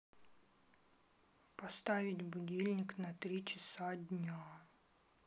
поставить будильник на три часа дня